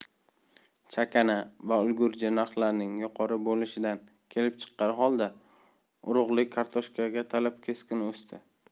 chakana va ulgurji narxlarning yuqori bo'lishidan kelib chiqqan holda urug'lik kartoshkaga talab keskin o'sdi